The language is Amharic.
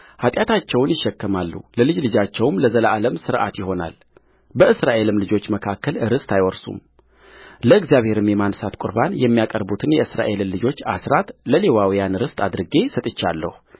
ኃጢአታቸውን ይሸከማሉ ለልጅ ልጃችሁ ለዘላለም ሥርዓት ይሆናል በእስራኤልም ልጆች መካከል ርስት አይወርሱምለእግዚአብሔር የማንሣት ቍርባን የሚያቀርቡትን የእስራኤልን ልጆች አሥራት ለሌዋውያን ርስት አድርጌ ሰጥቼአለሁ